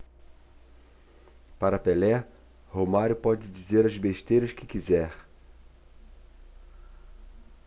para pelé romário pode dizer as besteiras que quiser